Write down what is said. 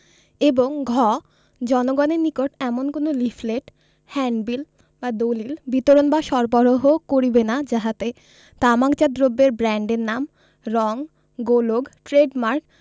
এবং ঘ জনগণের নিকট এমন কোন লিফলেট হ্যান্ডবিল বা দলিল বিতরণ বা সরবরাহ করিবেনা যাহাতে তামাকজাত দ্রব্যের ব্রান্ডের নাম রং গোলোগ ট্রেডমার্ক